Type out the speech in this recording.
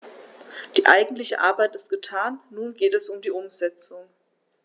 Die eigentliche Arbeit ist getan, nun geht es um die Umsetzung.